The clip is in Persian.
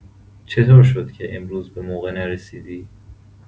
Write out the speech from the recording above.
چه‌طور شد که امروز به‌موقع نرسیدی؟